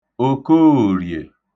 Òkoòrìè